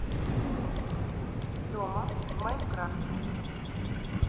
дома в майнкрафте